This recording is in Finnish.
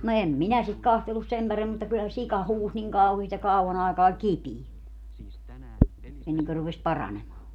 no en minä sitä katsellut sen paremmin mutta kyllä se sika huusi niin kauheasti ja kauan aikaa oli kipeä ennen kuin rupesi paranemaan